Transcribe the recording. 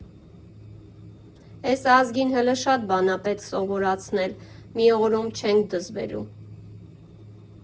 Էս ազգին հլը շատ բան ա պետք սովորացնել, մի օրում չենք դզվելու։